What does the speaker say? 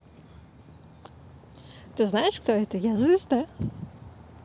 ты знаешь кто это я звезда